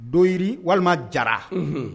Doyi walima jara